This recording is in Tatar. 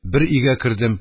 Бер өйгә кердем.